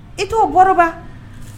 I t'o baroba